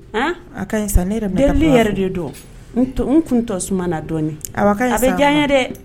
A ne yɛrɛ de dɔn n kun tɔ suma na dɔɔnin diya dɛ